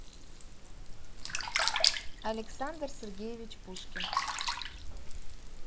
александр сергеевич пушкин